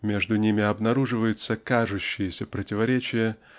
между ними обнаруживается кажущееся противоречие